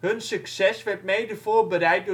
Hun succes werd mede voorbereid